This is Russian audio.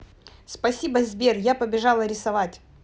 спасибо сбер я побежала рисовать